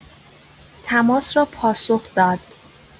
تماس را پاسخ داد.